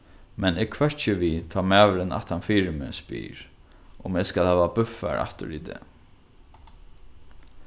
men eg hvøkki við tá maðurin aftanfyri meg spyr um eg skal hava búffar aftur í dag